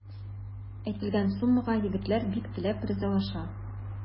Әйтелгән суммага егетләр бик теләп ризалаша.